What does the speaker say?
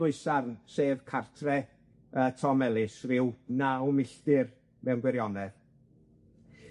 Ddwysarn, sef cartre yy Tom Ellis, ryw naw milltir mewn gwirionedd.